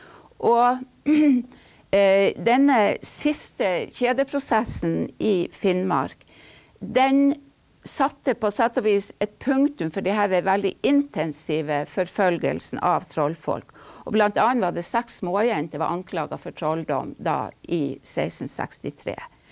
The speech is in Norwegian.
og denne siste kjedeprosessen i Finnmark, den satte på sett og vis et punktum for de herre veldig intensive forfølgelsene av trollfolk, og bl.a. var det seks småjenter var anklaga for trolldom da i sekstensekstitre.